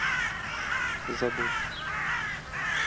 забудь